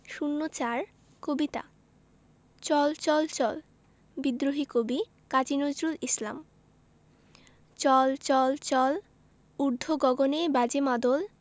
০৪ কবিতা চল চল চল বিদ্রোহী কবি কাজী নজরুল ইসলাম চল চল চল ঊর্ধ্ব গগনে বাজে মাদল